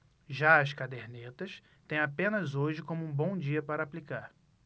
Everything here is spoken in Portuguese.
já as cadernetas têm apenas hoje como um bom dia para aplicar